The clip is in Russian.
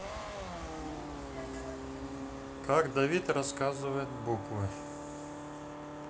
как давид рассказывает буквы